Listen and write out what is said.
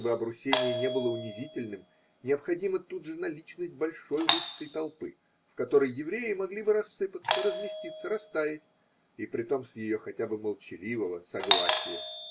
чтобы обрусение не было унизительным, необходима тут же наличность большой русской толпы, в которой евреи могли бы рассыпаться, разместиться, растаять – и притом с ее хотя бы молчаливого согласия.